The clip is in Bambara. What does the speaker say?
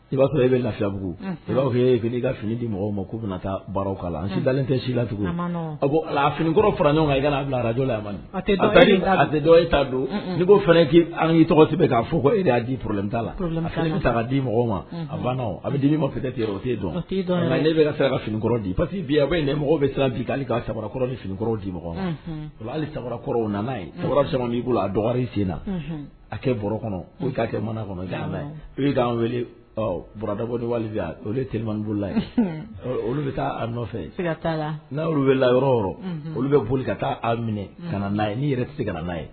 I b'a sɔrɔ e bɛ lafiyabugu b' e i ka fini di mɔgɔw ma k'u bɛna taa baroraw la si dalen tɛ si la tugun a finikɔrɔ fara ɲɔgɔn kan i' bila araj la tɛ e t' don'i ko fana' an' tɔgɔ to bɛ k'a fɔ e de y'a di porolen ta la bɛ ta di mɔgɔw ma a ban a bɛ dii ma fɛtie dɔn ne bɛ ka se ka finikɔrɔ di papi bi a ne bɛ siran bi' ka samakɔrɔ finikɔrɔ di mɔgɔw hali samakɔrɔw nana n'a ye cɛkɔrɔba'i ko a sen na a kɛ baro kɔnɔ k' kɛ kɔnɔ' weledabɔ de wali terimani bolola olu bɛ taa nɔfɛ n'a bɛ la yɔrɔ yɔrɔ olu bɛ boli ka taa minɛ ka na n'a ye ni yɛrɛ se ka n'a ye